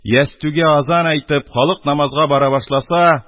Ястүгә азан әйтеп, халык намазга бара башласа,